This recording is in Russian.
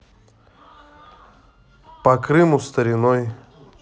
по крыму стариной